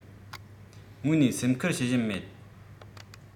དངོས ནས སེམས ཁུར བྱེད བཞིན མེད